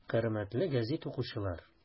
Хөрмәтле гәзит укучылар!